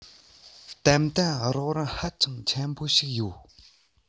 ཏན ཏན རོགས རམ ཧ ཅང ཆེན པོ ཞིག ཡོད